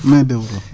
main d' oeuvre waa